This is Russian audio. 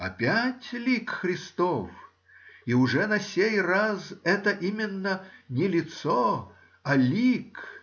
опять лик Христов, и уже на сей раз это именно не лицо,— а лик.